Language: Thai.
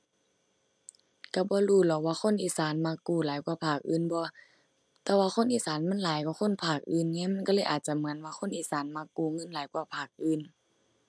ก็บ่รู้หรอกว่าคนอีสานมักกู้หลายกว่าภาคอื่นบ่ แต่ว่าคนอีสานมันหลายกว่าคนภาคอื่นไง มันก็เลยอาจจะเหมือนว่าคนอีสานมักกู้เงินหลายกว่าภาคอื่น